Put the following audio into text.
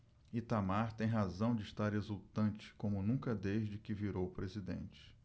itamar tem razão de estar exultante como nunca desde que virou presidente